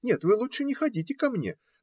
Нет, вы лучше не ходите ко мне